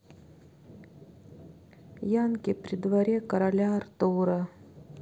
янки при дворе короля артура